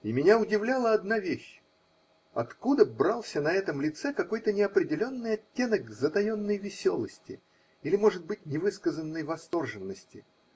И меня удивляла одна вещь: откуда брался на этом лице какой-то неопределенный оттенок затаенной веселости или, может быть, невысказанной восторженности?